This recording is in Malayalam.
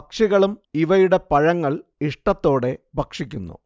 പക്ഷികളും ഇവയുടെ പഴങ്ങൾ ഇഷ്ടത്തോടെ ഭക്ഷിക്കുന്നു